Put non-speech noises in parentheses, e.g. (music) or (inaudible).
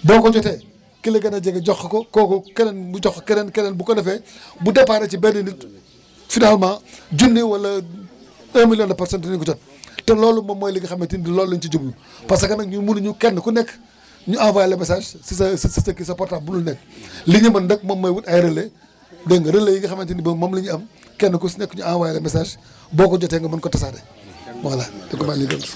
(breath) boo ko jotee ki la gën a jege jox ko ko kooku keneen mu jox ko keneen keneen bu ko defee (breath) bu départ ci benn nit finalement junni wala 1 million de personnes dinañ ko jot (breath) te loolu moom mooy li nga xamante ni loolu la ~u ci jublu parce que nag ñun mënuñu kenn ku nekk (breath) ñu envoyé la message si sa si sa kii sa portable mënul nekk (breath) li ñu mën nag moom mooy wut ay relais dégg nga relais yi nga xamante ne bi moom la ñu am kenn ku si nekk ñu envoyer la message boo ko jotee nga mën ko tasaare (crosstalk) voilà *